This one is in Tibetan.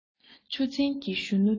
ཆུ འཛིན གྱི གཞོན ནུ དེ